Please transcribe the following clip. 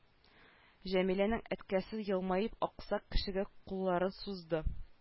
Җәмилнең әткәсе елмаеп аксак кешегә кулларын сузды